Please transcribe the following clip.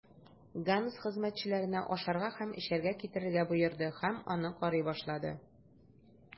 Ганс хезмәтчеләренә ашарга һәм эчәргә китерергә боерды һәм аны карый башлады.